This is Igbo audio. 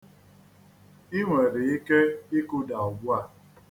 I nwere ike ikuda ugbua.